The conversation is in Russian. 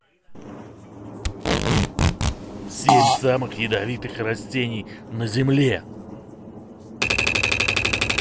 семь самых ядовитых растений на земле